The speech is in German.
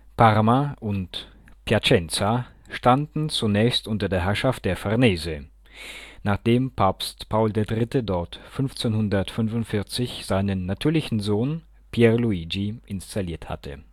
Parma und Piacenza standen zunächst unter der Herrschaft der Farnese, nachdem Papst Paul III. dort 1545 seinen natürlichen Sohn Pier Luigi installiert hatte